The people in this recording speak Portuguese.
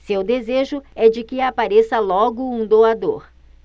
seu desejo é de que apareça logo um doador